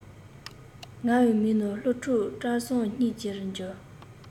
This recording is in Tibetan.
ངའི མིག ནང སློབ ཕྲུག བཀྲ བཟང སྙིང རྗེ རུ གྱུར